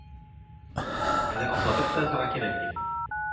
Әле охшатып та ясарга кирәк, ди...